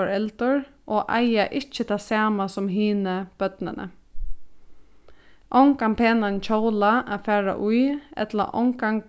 foreldur og eiga ikki tað sama sum hini børnini ongan penan kjóla at fara í ella ongan